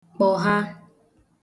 kpọ̀gha